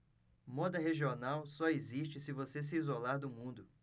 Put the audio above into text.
moda regional só existe se você se isolar do mundo